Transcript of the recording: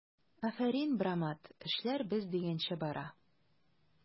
Афәрин, брамат, эшләр без дигәнчә бара!